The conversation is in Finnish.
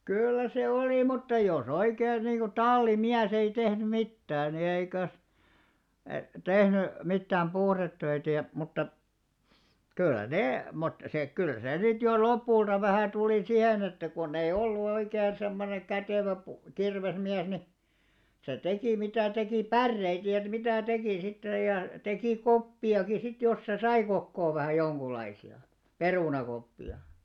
kyllä se oli mutta jos oikein niin kuin tallimies ei tehnyt mitään niin eikös - tehnyt mitään puhdetöitä ja mutta kyllä ne mutta se kyllä se sitten jo lopulta vähän tuli siihen että kun ei ollut oikein semmoinen kätevä - kirvesmies niin se teki mitä teki päreitä ja että mitä teki sitten ja teki koppiakin sitten jos se sai kokoon vähän jonkunlaisia perunakoppia